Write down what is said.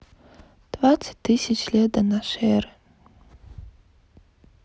двадцать тысяч лет до нашей эры